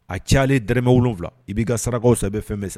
A cɛyalen dɔrɔmɛ 7 i b'i ka sarakaw san i bɛ fɛn bɛ san.